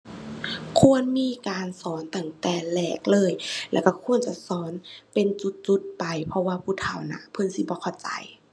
ควรมีการสอนตั้งแต่แรกเลยแล้วก็ควรจะสอนเป็นจุดจุดไป เพราะว่าผู้เฒ่าน่ะเพิ่นสิบ่เข้าใจ